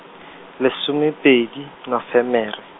lesomepedi, Nofemere.